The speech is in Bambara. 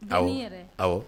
Awɔ awɔ